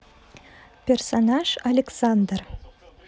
персонаж александр